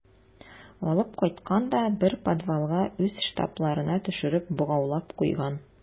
Алып кайткан да бер подвалга үз штабларына төшереп богаулап куйган.